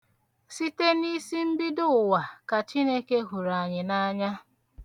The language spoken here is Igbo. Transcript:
Site n'isimbido ụwa ka Chukwu hụrụ anyị n'anya.